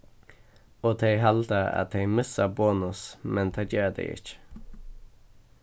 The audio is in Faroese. og tey halda at tey missa bonus men tað gera tey ikki